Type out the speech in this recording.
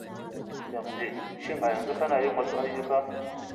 MJ: Shin a yanzu kana yin wasu ayyuka?